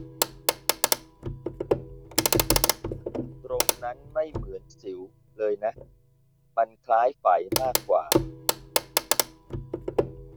ตรงนั้นไม่เหมือนสิวเลยนะมันคล้ายไฝมากกว่า